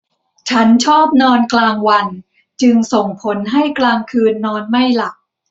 ฉันชอบนอนกลางวันจึงส่งผลให้กลางคืนนอนไม่หลับ